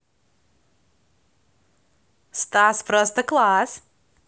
стас просто класс